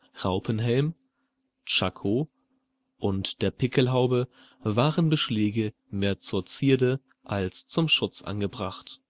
Raupenhelm, Tschako, Pickelhaube) waren Beschläge mehr zur Zierde als zum Schutz angebracht